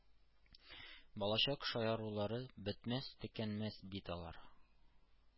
Балачак шаярулары бетмәс-төкәнмәс бит алар...